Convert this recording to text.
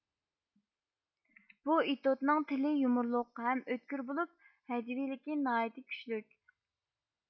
بۇ ئېتوتنىڭ تىلى يۇمۇرلۇق ھەم ئۆتكۈر بولۇپ ھەجۋىيلىكى ناھايىتى كۈچلۈك